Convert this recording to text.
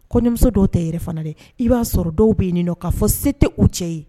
Komuso dɔw tɛ yɛrɛ fana dɛ i b'a sɔrɔ dɔw bɛ yen nɔ k'a fɔ se tɛ u cɛ ye